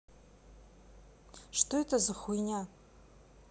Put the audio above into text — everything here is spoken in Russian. что это за хуйня